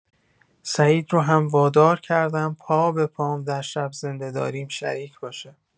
سعید رو هم وادار کردم پا به پام در شب زنده داریم شریک باشه.